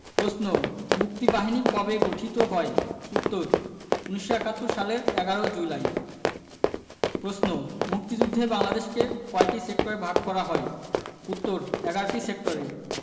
প্রশ্ন মুক্তিবাহিনী কবে গঠিত হয় উত্তর ১৯৭১ সালের ১১ জুলাই প্রশ্ন মুক্তিযুদ্ধে বাংলাদেশকে কয়টি সেক্টরে ভাগ করা হয় উত্তর ১১টি সেক্টরে